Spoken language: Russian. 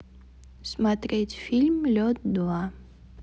смотреть фильм лед два